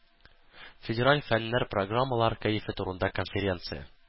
Федераль фэннэр программалар кәефе турында конференция.